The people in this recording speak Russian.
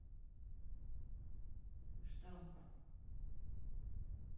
штамп